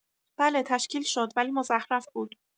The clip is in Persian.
بله تشکیل شد ولی مزخرف بود